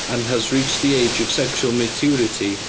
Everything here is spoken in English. And has reached the age of sexual maturity...